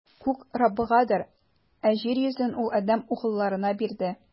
Күк - Раббыгадыр, ә җир йөзен Ул адәм угылларына бирде.